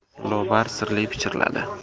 lobar sirli pichirladi